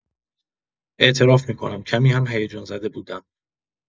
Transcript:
اعتراف می‌کنم کمی هم هیجان‌زده بودم.